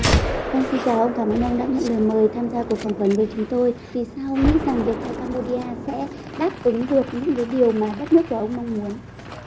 vâng xin chào ông cảm ơn ông đã nhận lời mời tham gia cuộc phỏng vấn với chúng tôi vì sao ông nghĩ rằng việt theo căm bô đia a sẽ đáp ứng được những cái điều mà đất nước của ông mong muốn